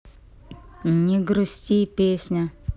не грусти песня